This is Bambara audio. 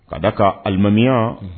Ka da ka alimamiya